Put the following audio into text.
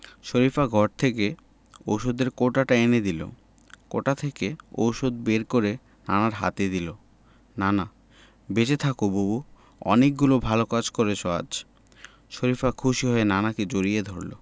শরিফা ঘর থেকে ঔষধের কৌটোটা এনে দিল কৌটা থেকে ঔষধ বের করে নানার হাতে দিল নানা বেঁচে থাকো বুবু অনেকগুলো ভালো কাজ করেছ আজ শরিফা খুশি হয়ে নানাকে জড়িয়ে ধরল